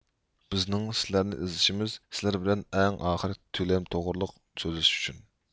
بىزنىڭ سىلەرنى ئىزدىشىمىز سىلەر بىلەن ئەڭ ئاخىرقى تۆلەم توغرۇلۇق سۆزلىشىش ئۈچۈن